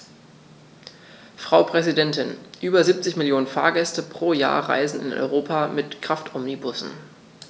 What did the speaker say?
Frau Präsidentin, über 70 Millionen Fahrgäste pro Jahr reisen in Europa mit Kraftomnibussen.